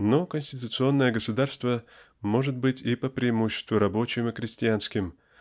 Но конституционное государство может быть и по преимуществу рабочим и крестьянским